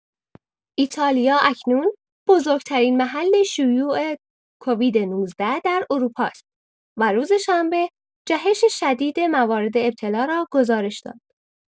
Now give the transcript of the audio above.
ایتالیا اکنون بزرگ‌ترین محل شیوع کووید-۱۹ در اروپاست و روز شنبه جهش شدید موارد ابتلا را گزارش داد.